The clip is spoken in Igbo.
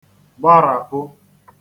gbaràpụ